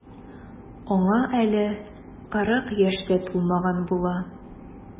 Аңа әле кырык яшь тә тулмаган була.